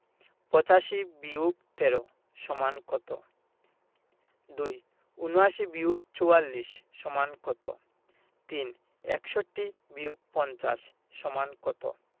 ৮৫-১৩ = কত ২ ৭৯-৪৪ = কত ৩ ৬১-৫০ = কত